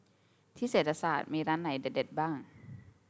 ที่เศรษฐศาสตร์มีร้านไหนเด็ดเด็ดบ้าง